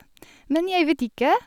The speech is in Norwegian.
Men jeg vet ikke.